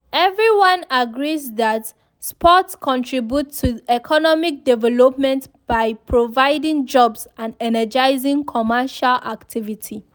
Everyone agrees that sports contribute to economic development by creating jobs and energizing commercial activity.